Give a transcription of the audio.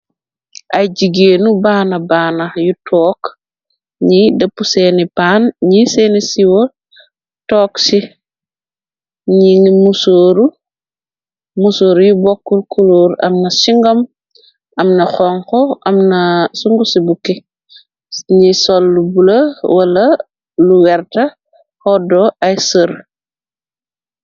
Ay jigéen nu baana baana yu toog ñiy depp seeni paan, ñiy seeni sow toog ci ni ngi musoor, musor yu bokkul kuloor. Amna singom, amna honko, amna sungu ci bukke. niy sol lu bulo wala lu vert ooddo ay sër.